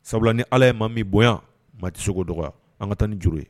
Sabula ni ala ye maa min bonya maa tɛsogo dɔgɔ an ka taa ni juruuru ye